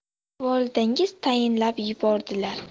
volidangiz tayinlab yubordilar